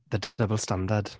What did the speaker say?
The d- double standard.